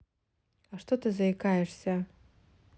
а что ты заикаешься